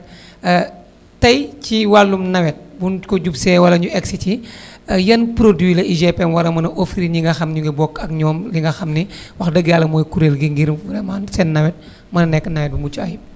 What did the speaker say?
tey ci wàllum nawet buén ko jub see wala ñu egg si ci yan produit la UGPM war a mën a offrir ñi nga xam ne ñu ngi bokk ak ñoom li nga xam ne wax dëgg yàlla mooy kuréel gi ngir vraiment seen nawet mën a nekk nawet bu mucc ayib